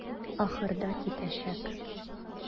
Ахырда китәчәк.